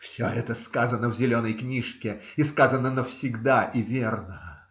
- все это сказано в зеленой книжке, и сказано навсегда и верно.